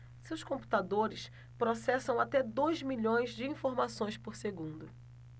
seus computadores processam até dois milhões de informações por segundo